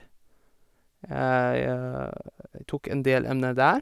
Jeg tok en del emner der.